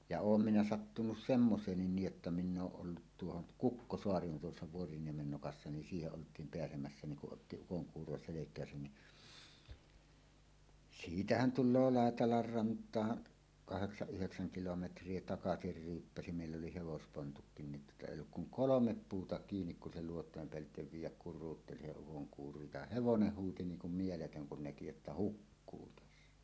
ja olen minä sattunut semmoiseen niin jotta minä olen ollut tuohon Kukkosaareen on tuossa Vuoriniemen nokassa niin siihen oltiin pääsemässä niin kun otti ukonkuuro selkään niin siitähän tulee Laitelan rantaan kahdeksan yhdeksän kilometriä takaisin ryyppäsi meillä oli hevospontutkin niin ei ole kuin kolme puuta kiinni kun se luotojen päältä viedä kuruutteli se ukonkuuro ja hevonen huusi niin kuin mieletön kun näki että hukkuu tässä